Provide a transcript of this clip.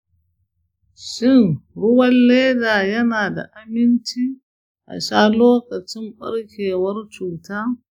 shin ruwan leda yana da aminci a sha lokacin barkewar cuta?